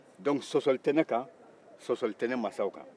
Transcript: o la sɔsɔli tɛ ne kan sɔsɔli tɛ ne mansaw kan